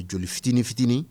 Joli fitinin fitinin